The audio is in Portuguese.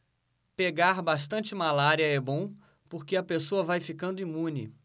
pegar bastante malária é bom porque a pessoa vai ficando imune